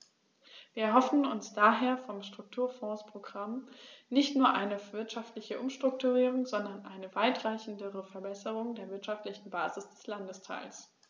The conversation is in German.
Wir erhoffen uns daher vom Strukturfondsprogramm nicht nur eine wirtschaftliche Umstrukturierung, sondern eine weitreichendere Verbesserung der wirtschaftlichen Basis des Landesteils.